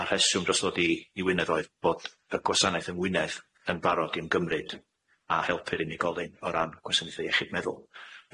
A rheswm dros ddod i i Wynedd oedd bod y gwasanaeth yn Wynedd yn barod 'mgymryd a helpu'r unigolyn o ran gwasanaethe iechyd meddwl.